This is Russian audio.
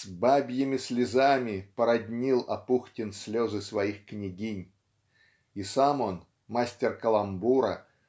С "бабьими слезами" породнил Апухтин слезы своих княгинь. И сам он мастер каламбура